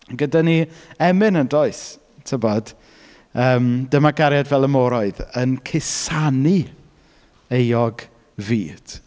Gyda ni emyn yn does. Tibod yym, dyma gariad fel y moroedd, yn cusanu euog fyd.